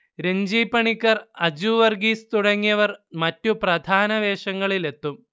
രൺജി പണിക്കർ, അജു വർഗ്ഗീസ് തുടങ്ങിയവർ മറ്റ് പ്രധാന വേഷങ്ങളിലെത്തും